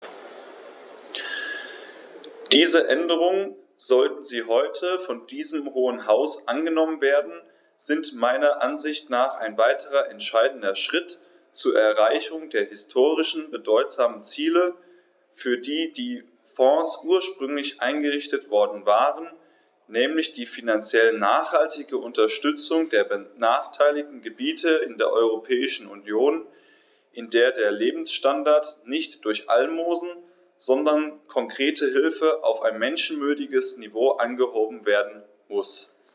Diese Änderungen, sollten sie heute von diesem Hohen Haus angenommen werden, sind meiner Ansicht nach ein weiterer entscheidender Schritt zur Erreichung der historisch bedeutsamen Ziele, für die die Fonds ursprünglich eingerichtet worden waren, nämlich die finanziell nachhaltige Unterstützung der benachteiligten Gebiete in der Europäischen Union, in der der Lebensstandard nicht durch Almosen, sondern konkrete Hilfe auf ein menschenwürdiges Niveau angehoben werden muss.